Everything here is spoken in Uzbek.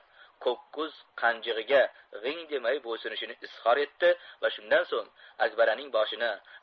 ko'k ko'z qanjig'iga g'ing demay bo'ysunishini izhor etdi va shundan so'ng akbaraning boshini